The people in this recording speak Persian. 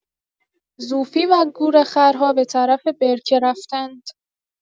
زوفی و گورخرها به‌طرف برکه رفتند.